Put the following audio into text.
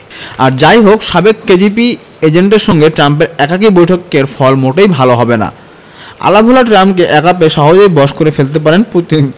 আর যা ই হোক সাবেক কেজিবি এজেন্টের সঙ্গে ট্রাম্পের একাকী বৈঠকের ফল মোটেই ভালো হবে না আলাভোলা ট্রাম্পকে একা পেয়ে সহজেই বশ করে ফেলতে পারেন পুতিন